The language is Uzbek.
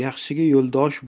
yaxshiga yo'ldosh bo'l